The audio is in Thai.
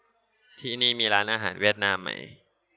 ที่นี่มีร้านอาหารเวียดนามไหม